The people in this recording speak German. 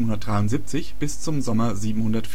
773 bis zum Sommer 774